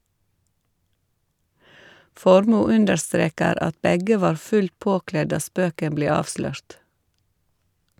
Formoe understreker at begge var fullt påkledd da spøken ble avslørt.